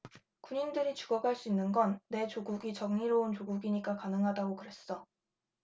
군인들이 죽어갈 수 있는 건 내 조국이 정의로운 조국이니까 가능하다고 그랬어